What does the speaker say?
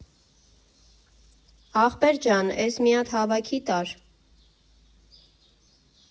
Ախպեր ջան, էս մի հատ հավաքի տար։